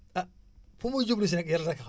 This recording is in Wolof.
ah fu muy jublu si rekk Yàlla rekk a xam